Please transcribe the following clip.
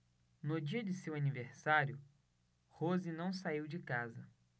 no dia de seu aniversário rose não saiu de casa